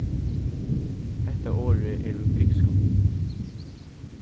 hetta orðið er úr grikskum